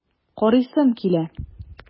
Карыйсым килә!